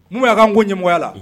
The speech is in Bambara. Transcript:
N'u y' n ko ɲɛya la